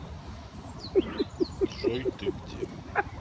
джой ты где